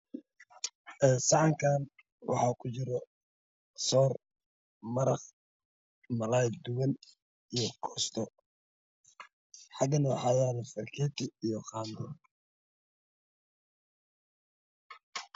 Saxankan waxa ku jira soor maraq malaay duban iyo koosto xagana waxayaala saakiyadii iyo khaano